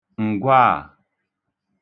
ǹgwaà